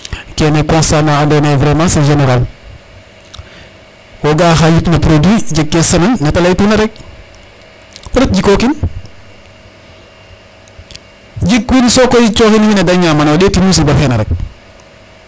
kene constat ando naye vraiment c 'est genegal ko ga a xa yip na pronuit jeg ke semaine nete leytuna rek o ret jikokin jik win sokoy coxin wiin we de ñamano yo ndeti musiba wene rek